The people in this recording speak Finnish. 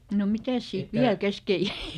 no mitäs siitä vielä kesken jäi